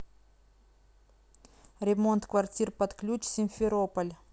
ремонт квартир под ключ симферополь